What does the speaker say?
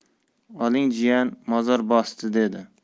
oling jiyan mozorbosdi dedi